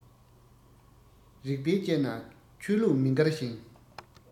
རིག པས དཔྱད ན ཆོས ལུགས མི འགལ ཞིང